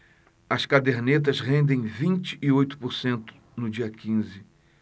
as cadernetas rendem vinte e oito por cento no dia quinze